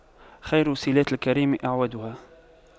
خير صِلاتِ الكريم أَعْوَدُها